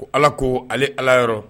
Ko Ala ko ale ala yɔrɔ